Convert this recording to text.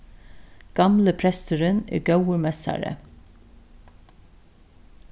gamli presturin er góður messari